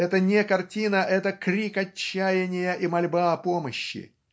Это не картина, это - крик отчаяния и мольба о помощи.